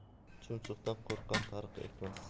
chumchuqdan qo'rqqan tariq ekmas